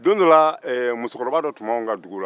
musokɔrɔba dɔ tun b'anw ka dugu la